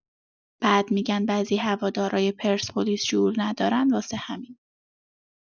بعد می‌گن بعضی هواداری پرسپولیس شعور ندارن واسه همینه